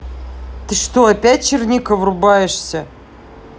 ты что опять черника врубаешь